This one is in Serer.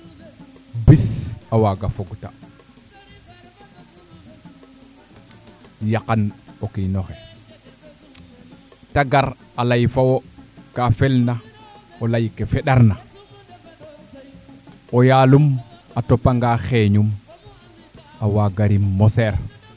bis a waaga fog ta yaqan o kiinoxe te gar a ley fo wo ka felna o ley ke feɗar na o yaalum a topanga xeñum a waaga rim moseer